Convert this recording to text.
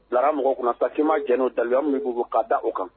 Bilara mɔgɔ kɔnɔ safinma j daya min k'u k ka da o kan